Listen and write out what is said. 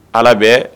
Ala bɛ